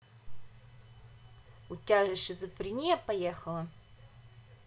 у тебя шизофрения поехала